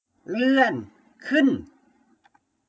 เลื่อนขึ้น